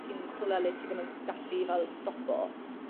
tin rhywle le ti ddim yn gallu fel stopo.